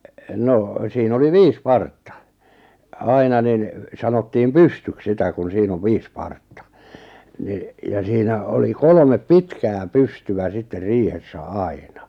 no siinä oli viisi partta aina niin sanottiin pystyksi sitä kun siinä on viisi partta niin ja siinä oli kolme pitkää pystyä sitten riihessä aina